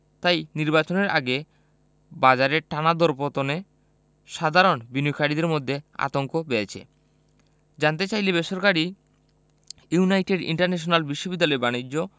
তাই নির্বাচনের আগে বাজারের টানা দরপতনে সাধারণ বিনিয়োগকারীদের মধ্যে আতঙ্ক বেড়েছে জানতে চাইলে বেসরকারি ইউনাইটেড ইন্টারন্যাশনাল বিশ্ববিদ্যালয়ের বাণিজ্য